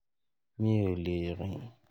Mi o le rin.